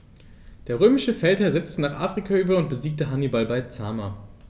Der römische Feldherr setzte nach Afrika über und besiegte Hannibal bei Zama.